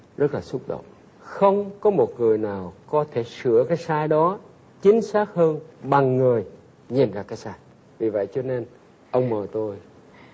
rất là xúc động không có một người nào có thể sửa cái sai đó chính xác hơn bằng người nhìn ra cái sai vì vậy cho nên ông mời tôi